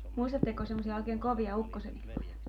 muistatteko semmoisia oikein kovia ukkosenilmoja